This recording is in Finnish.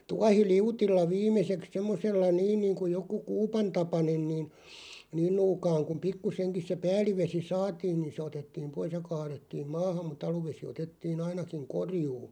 tuohiliutilla viimeiseksi semmoisella niin niin kuin joku kuupantapainen niin niin nuukaan kun pikkuisenkin se päällivesi saatiin niin se otettiin pois ja kaadettiin maahan muu aluvesi otettiin ainakin korjuun